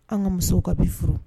An ka musow ka bɛ furu